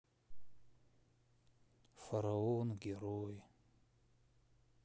фараон герой